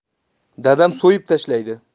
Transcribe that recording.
dadam so'yib tashlaydi